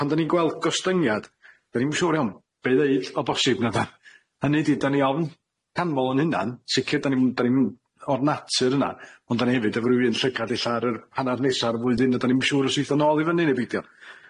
Pan 'dan ni'n gweld gostyngiad, da ni'm siŵr iawn be' i ddeud o bosib nad an, hynny 'di 'dan ni ofn camol yn hunan, sicir da ni'm dan ni'm o'r natur yna, ond 'dan ni hefyd efo ryw un llygad ella ar yr hannar nesa'r flwyddyn, dan ni'm yn siŵr os eith o nôl i fyny ne' beidio?